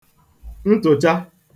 ntụ̀cha